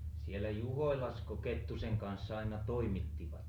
siellä Juhoilassako Kettusen kanssa aina toimittivat